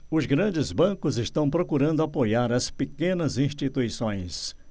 os grandes bancos estão procurando apoiar as pequenas instituições